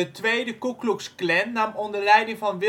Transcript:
tweede Ku Klux Klan nam onder leiding van